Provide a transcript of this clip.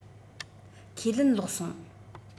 ཁས ལེན ལོག སོང